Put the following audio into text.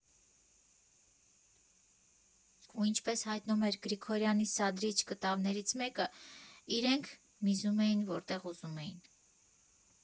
Ու ինչպես հայտնում էր Գրիգորյանի սադրիչ կտավներից մեկը, իրենք «միզում էին, որտեղ ուզում էին»։